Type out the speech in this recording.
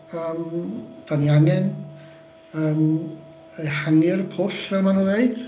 Yym dan ni angen yym ehangu'r pwll fel mae nhw'n ddeud.